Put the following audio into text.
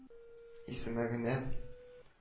Исеме генә